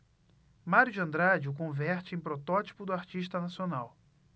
mário de andrade o converte em protótipo do artista nacional